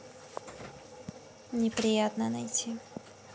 неприятно найти